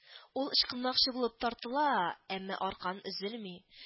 Ул ычкынмакчы булып тартыла, әмма аркан өзелми